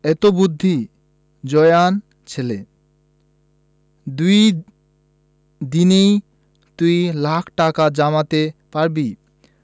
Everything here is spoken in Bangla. এত বুদ্ধি জোয়ান ছেলে দুদিনেই তুই লাখ টাকা জমাতে পারবি